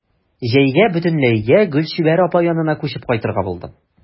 Җәйгә бөтенләйгә Гөлчибәр апа янына күчеп кайтырга булдым.